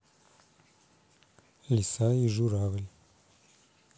лиса и журавль